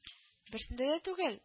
-берсендә да түгел